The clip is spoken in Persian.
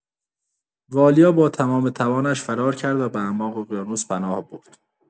والیا با تمام توانش فرار کرد و به اعماق اقیانوس پناه برد.